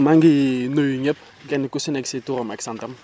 maa ngi nuyu ñëpp kenn ku si nekk si turamak santam